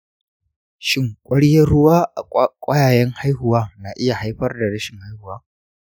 shin ƙwaryar ruwa a ƙwayayen haihuwa na iya haifar da rashin haihuwa?